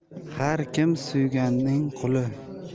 har kim suyganining quli